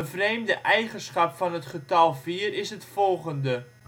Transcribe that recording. vreemde eigenschap van het getal vier is het volgende